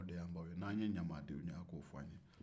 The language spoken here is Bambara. aw de y'anw baw ye n'an ye ɲamadenw ye aw ko f'anw ye